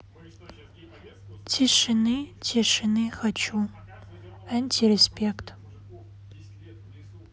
тишины тишины хочу антиреспект